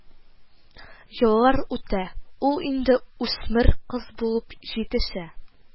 Еллар үтә, ул инде үсмер кыз булып җитешә